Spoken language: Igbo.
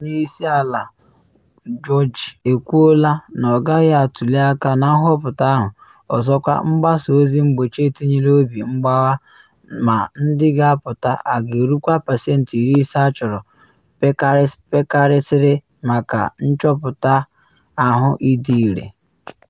Onye Isi Ala Gjorge Ivanov ekwuola na ọ gaghị atuli aka na nhọpụta ahụ, ọzọkwa mgbasa ozi mgbochi etinyela obi mgbagha ma ndị ga-apụta a ga-erukwa pasentị 50 achọrọ pekarịsịrị maka nhọpụta ahụ ịdị ire.